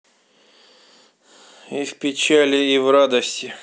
и в печали и в радости